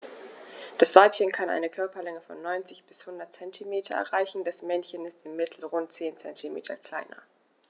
Das Weibchen kann eine Körperlänge von 90-100 cm erreichen; das Männchen ist im Mittel rund 10 cm kleiner.